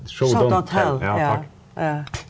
ja ja.